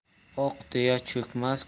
oq tuya cho'kmas